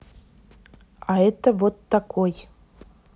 а это вот такой